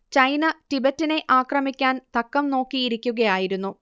China ടിബറ്റിനെ ആക്രമിക്കാൻ തക്കം നോക്കിയിരിക്കുകയായിരുന്നു